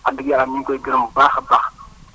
wax dëgg yàlla ñu ngi koy gërëm bu baax a baax